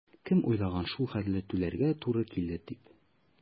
Кем уйлаган шул хәтле түләргә туры килер дип?